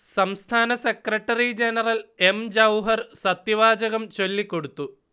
സംസ്ഥാന secretary general M. Jauhar സത്യവാചകം ചൊല്ലികൊടുത്തു